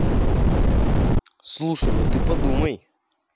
слушай ну ты подумай